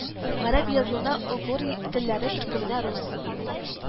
Гарәп язуына, огур телләре төркеменә рус